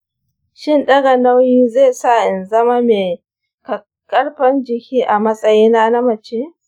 shin ɗaga nauyi zai sa in zama mai kakkarfan jiki a matsayina na mace?